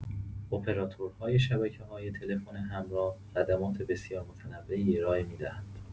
اپراتورهای شبکه‌های تلفن همراه خدمات بسیار متنوعی ارائه می‌دهند.